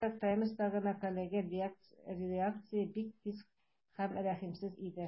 New York Times'тагы мәкаләгә реакция бик тиз һәм рәхимсез иде.